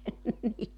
niin